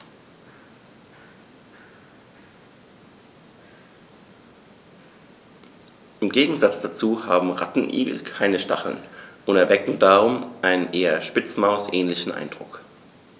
Im Gegensatz dazu haben Rattenigel keine Stacheln und erwecken darum einen eher Spitzmaus-ähnlichen Eindruck.